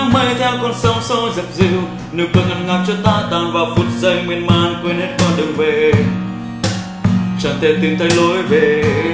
mây theo cơn sóng xô dập dìu nụ cười ngọt ngào cho ta tan vào phút giây miên man quên hết con đường về eh chẳng thể tìm thấy lối về eh eh